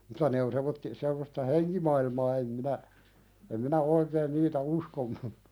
mutta ne on semmoisia semmoista henkimaailmaa en minä en minä oikein niitä uskonut